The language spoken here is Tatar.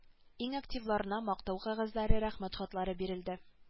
Иң активларына мактау кәгазьләре рәхмәт хатлары бирелде